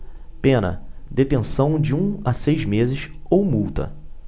pena detenção de um a seis meses ou multa